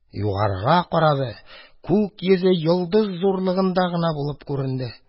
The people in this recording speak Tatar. Югарыга карады — күк йөзе йолдыз зурлыгында гына булып күренде.